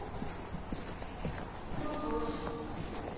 дружочек